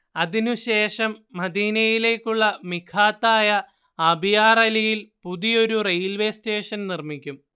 അതിനു ശേഷം മദീനയിലേക്കുള്ള മീഖാത്തായ അബിയാർ അലിയിൽ പുതിയൊരു റെയിൽവേ സ്റ്റേഷൻ നിർമ്മിക്കും